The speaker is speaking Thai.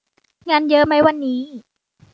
งานเยอะไหมวันนี้